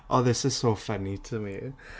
Oh, this is so funny to me.